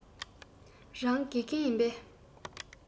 རང དགེ རྒན ཡིན པས